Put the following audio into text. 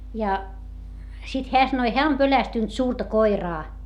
ja sitten hän sanoi hän on pelästynyt suurta koiraa